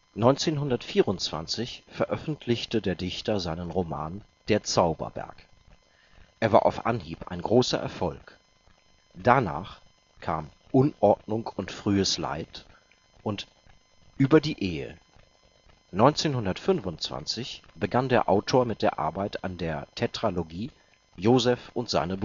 1924 veröffentlichte der Dichter seinen Roman Der Zauberberg. Er war auf Anhieb ein großer Erfolg. Danach kam Unordnung und frühes Leid und Über die Ehe. 1925 begann der Autor mit der Arbeit an der Tetralogie Joseph und seine